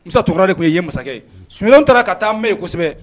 Nsa tɔgɔ de tun i ye masakɛ sunjata taara ka taa mɛn ye kosɛbɛ